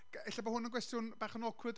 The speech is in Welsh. Ella fod hwn yn gwestiwn bach yn awkward